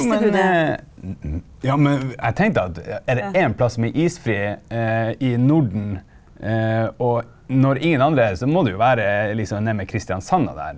ja men ja men jeg tenkte at er det en plass som er isfri i Norden og når ingen andre er det så må det jo være liksom nede med Kristiansand og der.